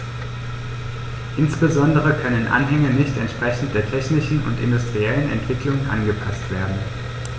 Insbesondere können Anhänge nicht entsprechend der technischen und industriellen Entwicklung angepaßt werden.